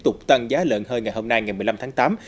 tục tăng giá lợn hơi ngày hôm nay ngày mười lăm tháng tám